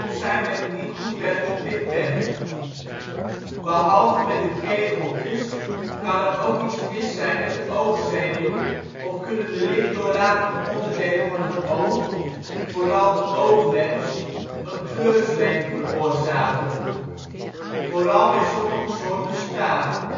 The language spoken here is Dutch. zijn met een niet goed werkend pigment. Behalve met de kegeltjes kan er ook iets mis zijn met de oogzenuw of kunnen de lichtdoorlatende onderdelen van het oog (vooral de ooglens) een kleurzweem veroorzaken, vooral bij sommige soorten staar